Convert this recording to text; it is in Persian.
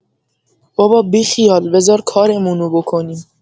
بابا بیخیال بذار کارمونو بکنیم.